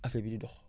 affaire yiy dox